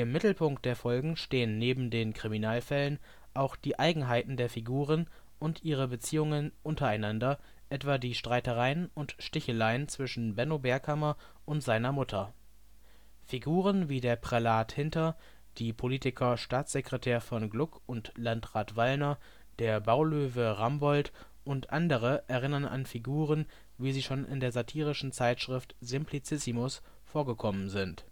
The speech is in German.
Mittelpunkt der Folgen stehen neben den Kriminalfällen auch die Eigenheiten der Figuren und ihre Beziehungen untereinander, etwa die Streitereien und Sticheleien zwischen Benno Berghammer und seiner Mutter. Figuren wie der Prälat Hinter, die Politiker Staatssekretär von Gluck und Landrat Wallner, der Baulöwe Rambold u.a. erinnern an Figuren, wie sie schon in der satirischen Zeitschrift Simplicissimus vorgekommen sind